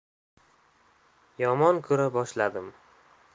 yomon ko'ra boshladim